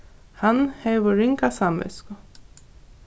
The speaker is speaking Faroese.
hann hevur ringa samvitsku